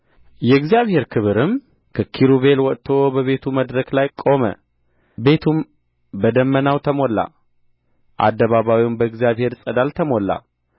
የእግዚአብሔር ክብርም ከኪሩቤል ወጥቶ በቤቱ መድረክ ላይ ቆመ ቤቱም በደመናው ተሞላ አደባባዩም በእግዚአብሔር ክብር ፀዳል ተሞላ